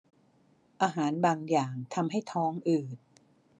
อาหารบางอย่างทำให้ท้องอืด